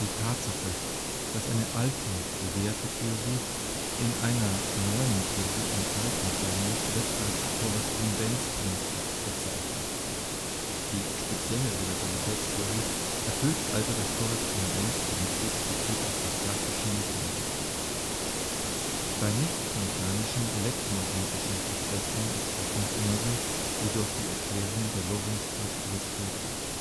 Tatsache, dass eine alte, bewährte Theorie in einer neuen Theorie enthalten sein muss, wird als Korrespondenzprinzip bezeichnet. Die spezielle Relativitätstheorie erfüllt also das Korrespondenzprinzip bezüglich der klassischen Mechanik. Bei nicht-mechanischen, elektromagnetischen Prozessen ist das nicht immer so, wie durch die Erklärung der Lorentzkraft illustriert